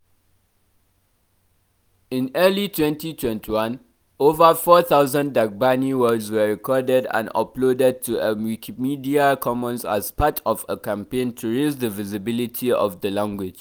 In early 2021, over 4,000 Dagbani words were recorded and uploaded to Wikimedia Commons as part of a campaign to raise the visibility of the language.